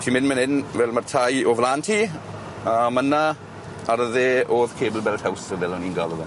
Ti'n myn' myn 'yn fel ma'r tai o flan ti a ma' 'na ar y dde o'dd Cable Belt House yy fel o'n i'n galw fe.